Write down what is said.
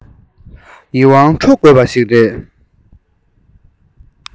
ཡིད དབང འཕྲོག དགོས པ ཞིག རེད